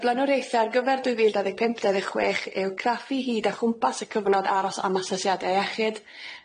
Y blaenoriaethau ar gyfer dwy fil dau ddeg pump dau ddeg chwech yw craffu hyd a chwmpas y cyfnod aros am asesiadau iechyd,